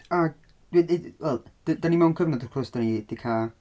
Ac i- wel d- dan ni mewn cyfnod wrth gwrs, dan ni 'di cael...